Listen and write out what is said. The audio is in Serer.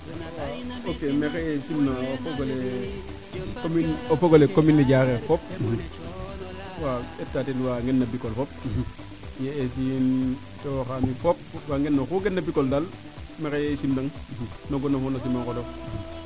a ok maxey simna o fogole commune o fogole commune o Diarekh fop waaw eta teen wa ngena Bikole fop ye'esiin tewo xaami fop wa ngena oxu gena Bikole daal maxel simnang no gonof fo no simangolof